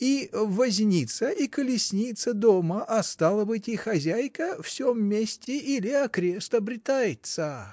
И возница, и колесница дома, а стало быть, и хозяйка в сем месте или окрест обретается.